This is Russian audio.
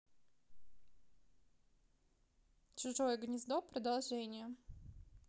чужое гнездо продолжение